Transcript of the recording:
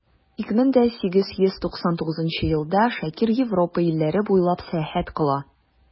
1899 елда шакир европа илләре буйлап сәяхәт кыла.